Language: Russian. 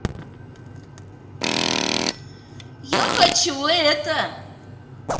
я хочу это